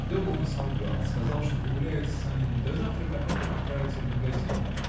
Дома он солгал: сказал, что погуляет с Саниным до завтрака, а потом отправится в магазин.